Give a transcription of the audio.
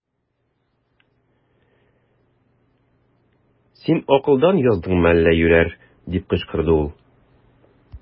Син акылдан яздыңмы әллә, юләр! - дип кычкырды ул.